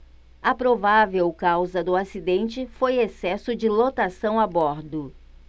a provável causa do acidente foi excesso de lotação a bordo